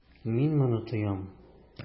Мин моны тоям.